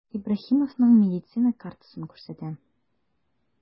Ибраһимовның медицина картасын күрсәтә.